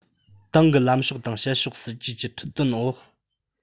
ཏང གི ལམ ཕྱོགས དང བྱེད ཕྱོགས སྲིད ཇུས ཀྱི ཁྲིད སྟོན འོག